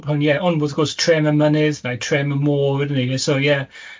Ond yeah. Ond wrth gwrs trem y mynydd, neu trem y môr ydyn nhw, so yeah.